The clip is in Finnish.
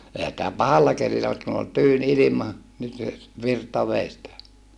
eihän sitä pahalla kelillä mutta kun oli tyyni ilma nyt se virta vei sitä